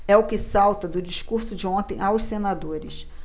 é o que salta do discurso de ontem aos senadores